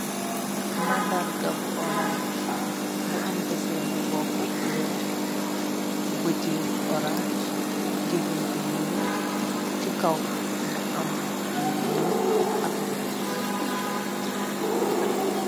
Mandarga bu orange mu am design bupu bu wey bot yi orange gmen bi nul si kaw mu am lu nul ak lu weyh.